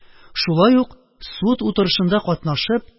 Шулай ук, суд утырышында катнашып